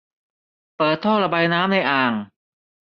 เปิดท่อระบายน้ำในอ่าง